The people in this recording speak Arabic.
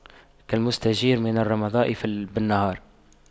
كالمستجير من الرمضاء بالنار